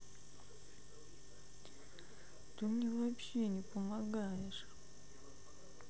ты мне вообще не помогаешь